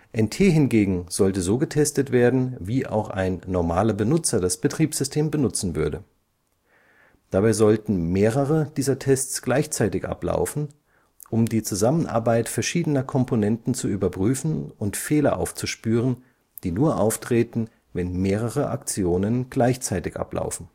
NT hingegen sollte so getestet werden, wie auch ein normaler Benutzer das Betriebssystem benutzen würde. Dabei sollten mehrere dieser Tests gleichzeitig ablaufen, um die Zusammenarbeit verschiedener Komponenten zu überprüfen und Fehler aufzuspüren, die nur auftreten, wenn mehrere Aktionen gleichzeitig ablaufen